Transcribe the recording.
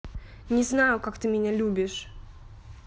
не знаю как ты меня любишь